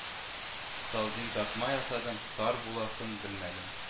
Талдин тартма ясадым, тар буласын белмәдем